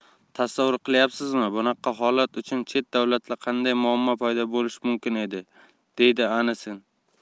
tasavvur qilyapsizmi bunaqa holat uchun chet davlatda qanday muammo paydo bo'lishi mumkin edi deydi anisin